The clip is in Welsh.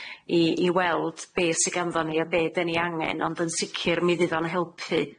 i i weld be' sy ganddon ni, a be' 'de ni angen. Ond yn sicir mi fydd o'n helpu.